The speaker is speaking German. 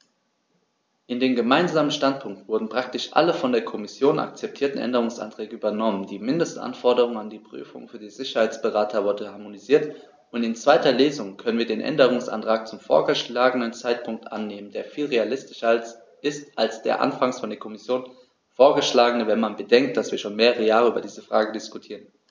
In den gemeinsamen Standpunkt wurden praktisch alle von der Kommission akzeptierten Änderungsanträge übernommen, die Mindestanforderungen an die Prüfungen für die Sicherheitsberater wurden harmonisiert, und in zweiter Lesung können wir den Änderungsantrag zum vorgeschlagenen Zeitpunkt annehmen, der viel realistischer ist als der anfangs von der Kommission vorgeschlagene, wenn man bedenkt, dass wir schon mehrere Jahre über diese Frage diskutieren.